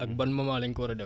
ak ban moment lañ ko war a def